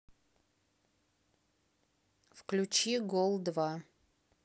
включи гол два